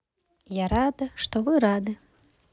я рада что вы рады